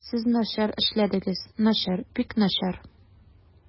Сез начар эшләдегез, начар, бик начар.